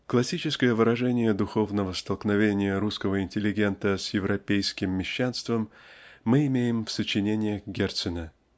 Классическое выражение духовного столкновения русского интеллигента с европейским мещанством мы имеем в сочинениях Герцена .